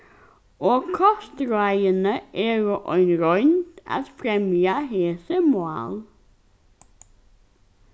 og kostráðini eru ein roynd at fremja hesi mál